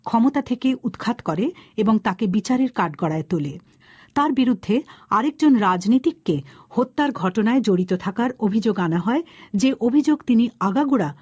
ক্ষমতা থেকে উৎখাত করে এবং তাকে বিচারের কাঠগড়ায় তোলে তার বিরুদ্ধে আরেকজন রাজনীতিক কে হত্যার ঘটনায় জড়িত থাকার অভিযোগ আনা হয় যে অভিযোগ তিনি আগাগোড়া